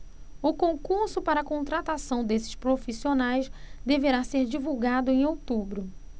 o concurso para contratação desses profissionais deverá ser divulgado em outubro